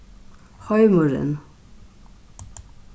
heimurin